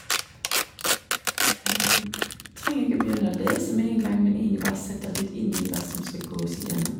Trenger ikke begynne å lese med en gang, men egentlig bare sett deg litt inn i hva som skal gåes igjennom.